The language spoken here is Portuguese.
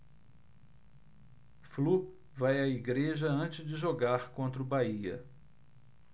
flu vai à igreja antes de jogar contra o bahia